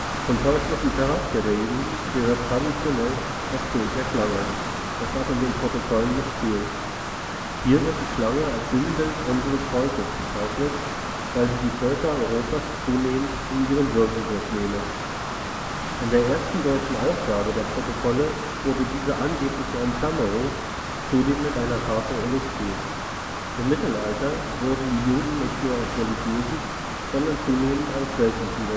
Zum „ teuflischen Charakter “der Juden gehört traditionell das Bild der Schlange, das auch in den Protokollen nicht fehlt: Hier wird die Schlange als „ Sinnbild unseres Volkes “bezeichnet, weil sie die Völker Europas zunehmend in ihrem Würgegriff nehme. In der ersten deutschen Ausgabe der Protokolle wurde diese angebliche Umklammerung zudem mit einer Karte illustriert. Im Mittelalter wurden die Juden nicht nur aus religiösen, sondern zunehmend aus weltlichen